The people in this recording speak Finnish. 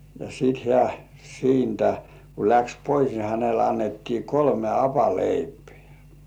ja sitten hän siitä kun lähti pois niin hänelle annettiin kolme hapanleipää